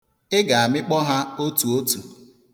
Ị ga-amịkpọ ha otu otu.